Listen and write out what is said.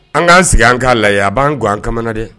An ŋ'an sigi an k'a layɛ a b'an guwan an kamana dɛ